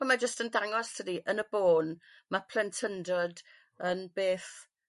On' mae jyst yn dangos tydi yn y bôn ma' plentyndod yn beth